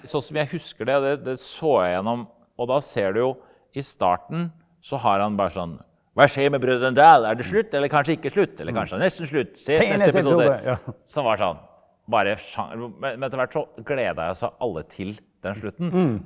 sånn som jeg husker det og det det så jeg gjennom og da ser du jo i starten så har han bare sånn hva skjer med Brødrene Dal er det slutt eller kanskje ikke slutt eller kanskje nesten slutt se neste episode som var sånn bare men men etterhvert så gleda jo seg alle til den slutten.